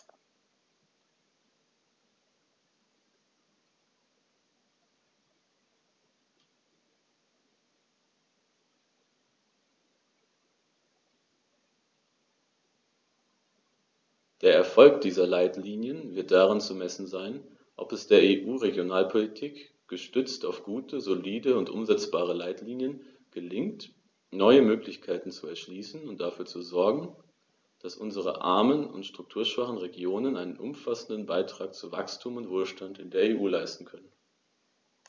Der Erfolg dieser Leitlinien wird daran zu messen sein, ob es der EU-Regionalpolitik, gestützt auf gute, solide und umsetzbare Leitlinien, gelingt, neue Möglichkeiten zu erschließen und dafür zu sogen, dass unsere armen und strukturschwachen Regionen einen umfassenden Beitrag zu Wachstum und Wohlstand in der EU leisten können.